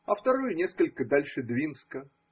а вторую несколько дальше Двинска